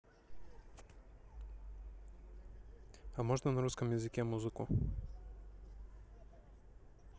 а можно на русском языке музыку